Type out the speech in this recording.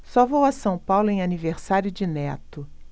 só vou a são paulo em aniversário de neto